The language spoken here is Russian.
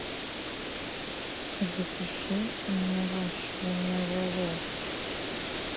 запиши на наращивание волос